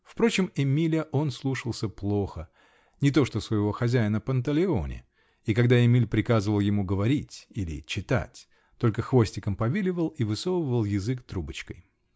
Впрочем, Эмиля он слушался плохо -- не то, что своего хозяина Панталеоне, и когда Эмиль приказывал ему "говорить" или "чихать", -- только хвостиком повиливал и высовывал язык трубочкой.